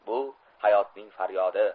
bu hayotning faryodi